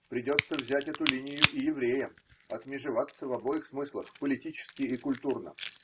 Придется взять эту линию и евреям, отмежеваться в обоих смыслах: политически и культурно.